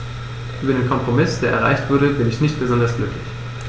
Über den Kompromiss, der erreicht wurde, bin ich nicht besonders glücklich.